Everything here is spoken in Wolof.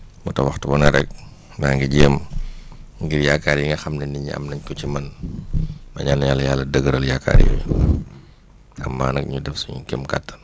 moo tax waxtu bu ne rek maa ngi jéem ngir yaakaar yi nga xam ne nit ñi am nañ ko ci man ma ñaan yàlla yàlla dëgëral yaakaar yooyu amaa nag ñu def suñu kéem kattan